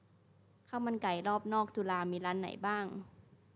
ข้าวมันไก่รอบนอกจุฬามีร้านไหนบ้าง